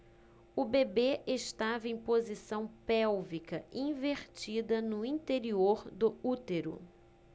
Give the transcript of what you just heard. o bebê estava em posição pélvica invertida no interior do útero